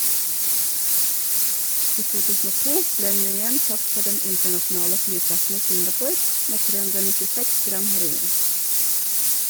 I 2002 ble Nguyen tatt på den internasjonale flyplassen i Singapore med 396 gram heroin.